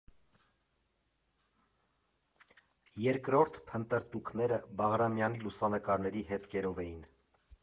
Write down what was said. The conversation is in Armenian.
Երկրորդ փնտրտուքները Բաղրամյանի լուսանկարների հետքերով էին։